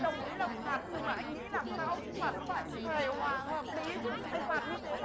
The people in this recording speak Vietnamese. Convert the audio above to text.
đồng ý là phạt nhưng mà anh nghĩ làm sao phạt nó phải hài hòa hợp lý chứ anh phạt như thế là